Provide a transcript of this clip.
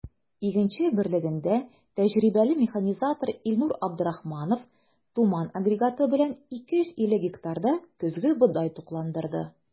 “игенче” берлегендә тәҗрибәле механизатор илнур абдрахманов “туман” агрегаты белән 250 гектарда көзге бодай тукландырды.